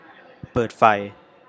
เปิดไฟ